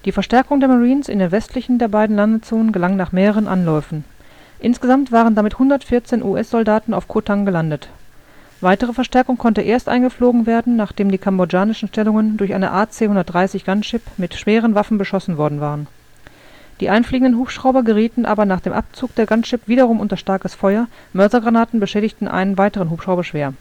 Verstärkung der Marines in der westlichen der beiden Landezonen gelang nach mehreren Anläufen. Insgesamt waren damit 114 US-Soldaten auf Koh Tang gelandet. Weitere Verstärkung konnte erst eingeflogen werden, nachdem die kambodschanischen Stellungen durch eine AC-130 Gunship mit schweren Waffen beschossen worden waren. Die einfliegenden Hubschrauber gerieten aber nach dem Abzug der Gunship wiederum unter starkes Feuer, Mörsergranaten beschädigten einen weiteren Hubschrauber schwer